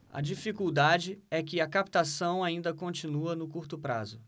a dificuldade é que a captação ainda continua no curto prazo